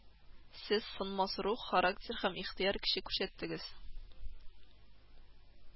Сез сынмас рух, характер һәм ихтыяр көче күрсәттегез